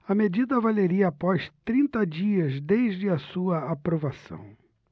a medida valeria após trinta dias desde a sua aprovação